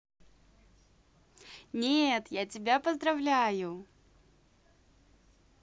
нет я тебя поздравляю